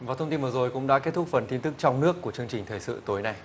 và thông tin vừa rồi cũng đã kết thúc phần tin tức trong nước của chương trình thời sự tối nay